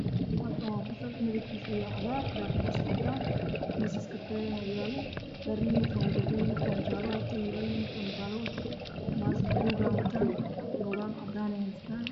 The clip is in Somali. Halkaan waa fasal midabkiisa yahay cagaar daaqadiisana cadaan waxaa fadhiyo wiilal iyo gabdho